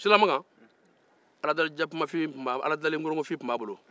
alifa silamakan aladeli gorongofin tun ba bolo